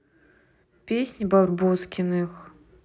песни барбоскиных